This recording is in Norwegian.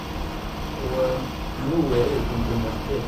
Og nå er jeg jo kommet på universitetet.